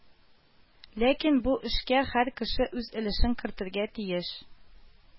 Ләкин бу эшкә һәр кеше үз өлешен кертергә тиеш